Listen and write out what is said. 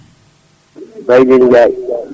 Baylel Ndiaye